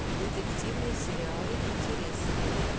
детективные сериалы интересные